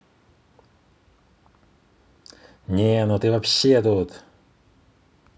не ну ты вообще тут